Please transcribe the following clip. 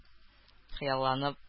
Хыялланып